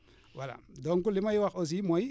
voilà donc li may wax aussi mooy